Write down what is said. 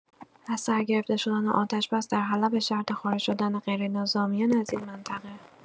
از سرگرفته شدن آتش‌بس در حلب به شرط خارج شدن غیرنظامیان از این منطقه